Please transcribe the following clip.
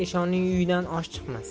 eshonning uyidan osh chiqmas